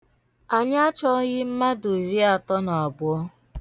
Anyị achọghị mmadụ iriatọ na abụọ.